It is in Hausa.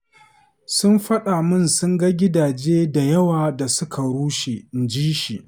“Sun faɗa mun sun ga gidaje da yawa da suka rushe,” inji shi.